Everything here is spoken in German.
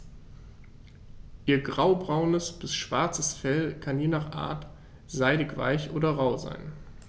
Ihr graubraunes bis schwarzes Fell kann je nach Art seidig-weich oder rau sein.